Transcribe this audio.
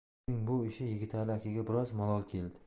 uning bu ishi yigitali akaga biroz malol keldi